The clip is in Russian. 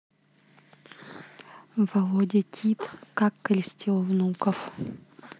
володя кит как крестил внуков